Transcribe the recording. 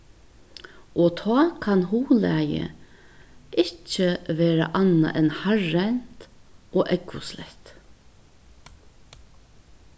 og tá kann huglagið ikki vera annað enn harðrent og ógvusligt